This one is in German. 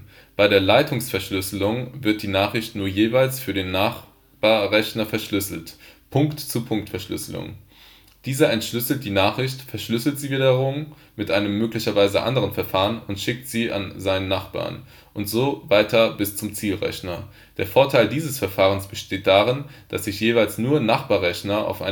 Bei der Leitungsverschlüsselung wird die Nachricht nur jeweils für den Nachbarrechner verschlüsselt (Punkt-zu-Punkt-Verschlüsselung). Dieser entschlüsselt die Nachricht, verschlüsselt sie wiederum (mit einem möglicherweise anderen Verfahren) und schickt sie an seinen Nachbarn – und so weiter bis zum Zielrechner. Der Vorteil dieses Verfahrens besteht darin, dass sich jeweils nur Nachbarrechner auf